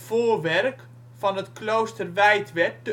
voorwerk van het klooster Wijtwerd